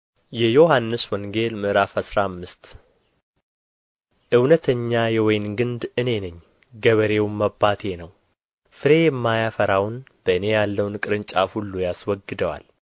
የዮሐንስ ወንጌል ምዕራፍ አስራ አምስት እውነተኛ የወይን ግንድ እኔ ነኝ ገበሬውም አባቴ ነው ፍሬ የማያፈራውን በእኔ ያለውን ቅርንጫፍ ሁሉ ያስወግደዋል